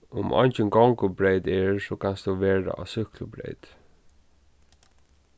um eingin gongubreyt er so kanst tú vera á súkklubreyt